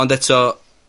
ond eto,